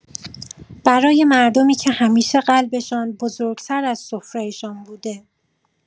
برای مردمی که همیشه قلبشان بزرگ‌تر از سفره‌شان بوده.